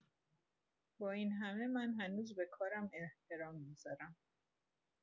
با این همه، من هنوز به کارم احترام می‌ذارم.